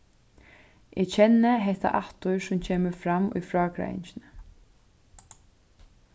eg kenni hetta aftur sum kemur fram í frágreiðingini